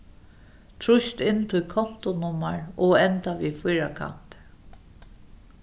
trýst inn títt kontunummar og enda við fýrakanti